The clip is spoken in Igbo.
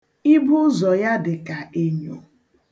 Ibo ụzọ ya dị ka enyo.